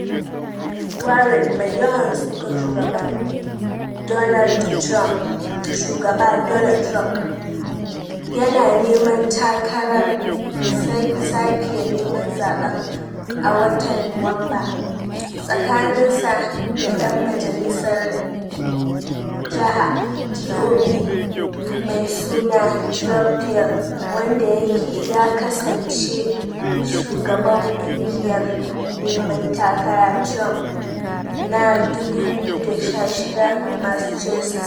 Warren, mai yawan sukan Shugaba Donald Trump, yana neman takarar sake neman zaben a watan Nuwamba tsakaninsa da dan majalisat Jaha GOP. mai suna Geoff Diehl, wanda ya kasance shugaban kungiyar neman takara Trump na 2016 Massachusetts.